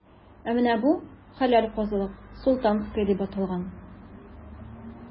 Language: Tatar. Ә менә бу – хәләл казылык,“Султанская” дип аталган.